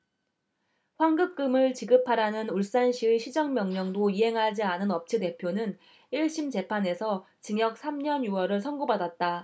환급금을 지급하라는 울산시의 시정명령도 이행하지 않은 업체대표는 일 심 재판에서 징역 삼 년 유 월을 선고받았다